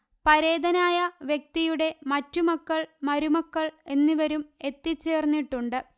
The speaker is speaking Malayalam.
പരേതനായ വ്യക്തിയുടെ മറ്റു മക്കൾ മരുമക്കൾ എന്നിവരും എത്തിചേർന്നിട്ടുണ്ട്